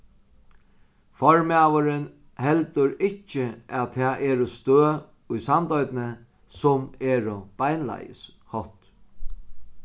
formaðurin heldur ikki at tað eru støð í sandoynni sum eru beinleiðis hótt